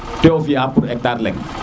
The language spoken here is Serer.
te o fiya pour hectar leng